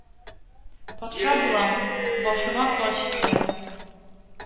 Патша булам, башыма таҗ киям,